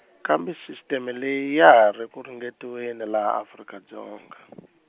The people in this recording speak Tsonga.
kambe sisiteme leyi ya ha ri ku ringeteriweni laha Afrika Dzonga.